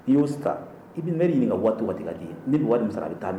I y'o ska i be maire ɲiniŋa waati waati kad'i ye ne be wari min sara a be taa min